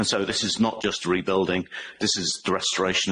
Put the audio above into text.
and so this is not just rebuilding this is the restoration